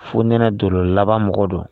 Fotɛnɛ don laban mɔgɔ don